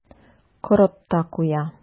Корып та куя.